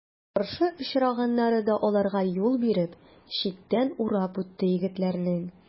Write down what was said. Каршы очраганнары да аларга юл биреп, читтән урап үтте егетләрнең.